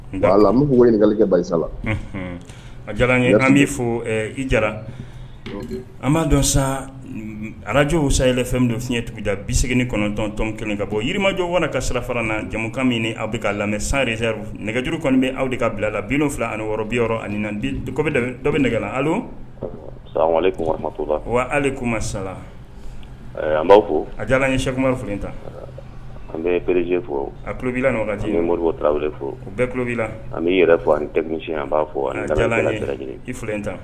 Ala kɛ a an fo i jara an b'a dɔn sa arajw say fɛn dɔ fiɲɛɲɛ tugu da bi segin kɔnɔntɔntɔn kelen ka bɔyimajɔ wara ka sira fara na jamumukan min aw bɛ ka lamɛn sare nɛgɛjuru kɔni bɛ aw de ka bila la bi fila ani wɔɔrɔ bi yɔrɔ ani na dɔ bɛ nɛgɛla wa ale kuma sa b'a fɔ a ye sekuma f ta anerelalola yɛrɛ an b'a fɔ i in ta